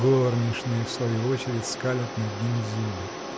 горничные, в свою очередь, скалят над ним зубы.